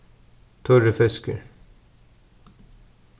turrur fiskur